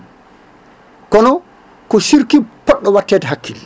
kono circuit poɗɗo wattede hakkille